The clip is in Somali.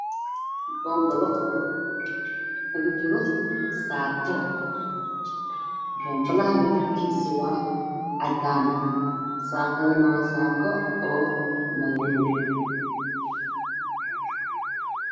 Boon balo ugu jiro saako boon balaha midab kiisu waa cadaan saakadana waa saako madow